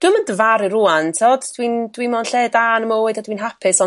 dwi'm yn dyfaru rŵan t'od dwi'n... dwi mewn lle da yn fy mywyd a dwi'n hapus ond